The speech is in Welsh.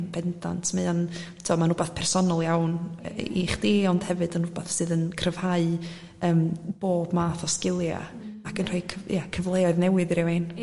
yn bendant mae o'n t'o' ma'n rwbath personol iawn i chdi ond hefyd yn rwbath sydd yn cryfhau yym bob math o sgilia ac yn rhoi cyf- ia cyfleoedd newydd i rywun